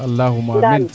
alakhouma amiin